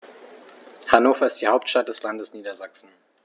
Hannover ist die Hauptstadt des Landes Niedersachsen.